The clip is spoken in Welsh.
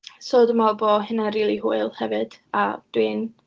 So dwi'n meddwl bod hynna'n rili hwyl hefyd, a dwi'n...